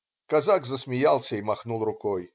Казак засмеялся и махнул рукой.